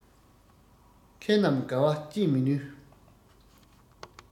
མཁས རྣམས དགའ བ བསྐྱེད མི ནུས